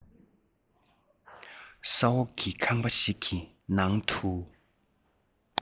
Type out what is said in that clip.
ས འོག གི ཁང པ ཞིག གི ནང དུ